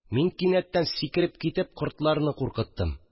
Мин кинәттән сикереп китеп кортларны куркыттым